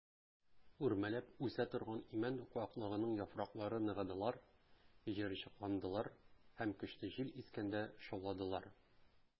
Үрмәләп үсә торган имән куаклыгының яфраклары ныгыдылар, җыерчыкландылар һәм көчле җил искәндә шауладылар.